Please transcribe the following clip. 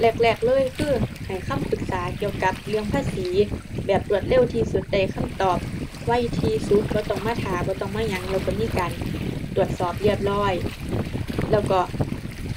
แรกแรกเลยคือให้คำปรึกษาเกี่ยวกับเรื่องภาษี แบบรวดเร็วที่สุด ได้คำตอบไวที่สุด บ่ต้องมาท่า บ่ต้องมาหยัง แล้วก็มีการตรวจสอบเรียบร้อย แล้วก็